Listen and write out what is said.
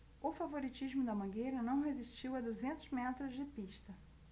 o favoritismo da mangueira não resistiu a duzentos metros de pista